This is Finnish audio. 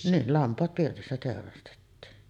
niin lampaat pirtissä teurastettiin